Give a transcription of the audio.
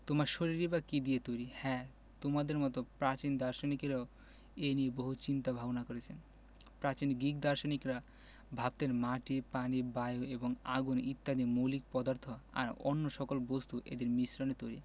তোমার শরীরই বা কী দিয়ে তৈরি হ্যাঁ তোমাদের মতো প্রাচীন দার্শনিকেরাও এ নিয়ে বহু চিন্তা ভাবনা করেছেন প্রাচীন গ্রিক দার্শনিকেরা ভাবতেন মাটি পানি বায়ু এবং আগুন ইত্যাদি মৌলিক পদার্থ আর অন্য সকল বস্তু এদের মিশ্রণে তৈরি